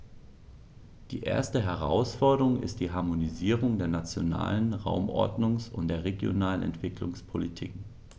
Die erste Herausforderung ist die Harmonisierung der nationalen Raumordnungs- und der regionalen Entwicklungspolitiken.